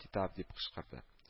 Титап! дип кычкырды